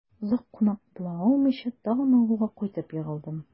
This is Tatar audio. Озак кунак була алмыйча, тагын авылга кайтып егылдым...